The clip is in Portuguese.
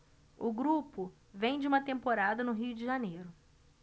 o grupo vem de uma temporada no rio de janeiro